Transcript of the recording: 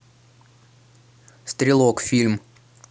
стрелок фильм